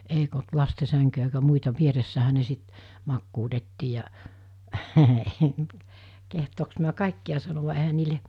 eikä ollut lasten sänkyjä eikä muita vieressähän ne sitten makuutettiin ja kehdoksi mitä kaikkia sanovat eihän niille